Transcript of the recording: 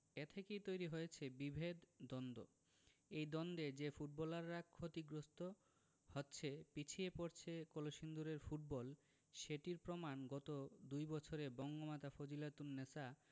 এ থেকেই তৈরি হয়েছে বিভেদ দ্বন্দ্ব এই দ্বন্দ্বে যে ফুটবলাররা ক্ষতিগ্রস্ত হচ্ছে পিছিয়ে পড়ছে কলসিন্দুরের ফুটবল সেটির প্রমাণ গত দুই বছরে বঙ্গমাতা ফজিলাতুন্নেছা